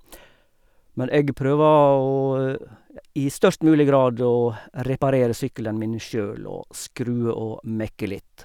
Men jeg prøver å i størst mulig grad å reparere sykkelen min sjøl og skru og mekke litt.